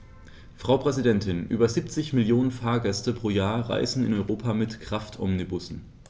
Frau Präsidentin, über 70 Millionen Fahrgäste pro Jahr reisen in Europa mit Kraftomnibussen.